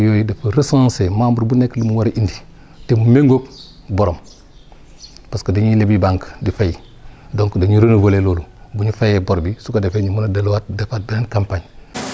carnets yooyu dafa recensé membre bu nekk lu mu war a indi te mu méngóog borom parce que dañuy lebi banque di fay donc dañuy renouveller loolu bu ñu fayee bor bi su ko defee ñu mën a delluwaat defaat beneen campagne